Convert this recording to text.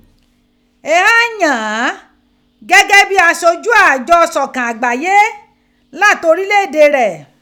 Ighan yàn án gẹ́gẹ́ bí i aṣojú àjọ ìṣòkan ag̀báyé, láti orílẹ̀ ède rẹ̀.